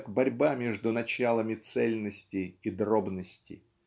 как борьба между началами цельности и дробности.